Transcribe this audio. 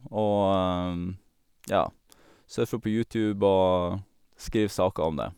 Og, ja, surfer på YouTube og skriver saker om det.